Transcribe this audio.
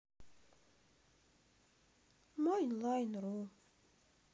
майн лайн ру